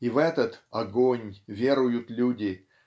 И в этот Огонь веруют люди